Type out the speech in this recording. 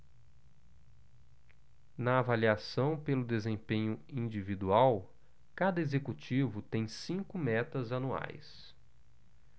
na avaliação pelo desempenho individual cada executivo tem cinco metas anuais